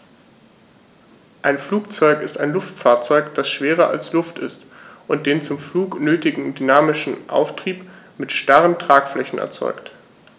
Ein Flugzeug ist ein Luftfahrzeug, das schwerer als Luft ist und den zum Flug nötigen dynamischen Auftrieb mit starren Tragflächen erzeugt.